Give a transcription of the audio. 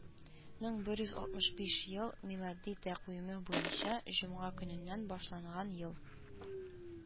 Мең бер йөз алтмыш биш ел милади тәкъвиме буенча җомга көненнән башланган ел